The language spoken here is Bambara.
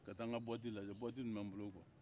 ka taa an ka bara lajɛ lɛtɛrɛ bara tun bɛ n bolo kuwa